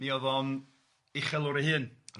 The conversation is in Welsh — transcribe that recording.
...mi odd o'n uchelwr ei hun... Reit.